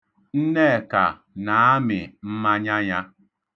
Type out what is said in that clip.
Nneka na-amị mmanya ya.